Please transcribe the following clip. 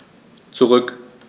Zurück.